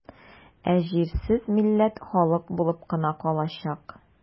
Ә җирсез милләт халык булып кына калачак.